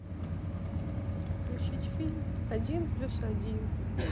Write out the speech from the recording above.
включить фильм один плюс один